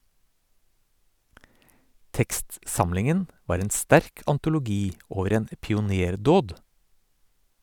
Tekstsamlingen var en sterk antologi over en pionerdåd.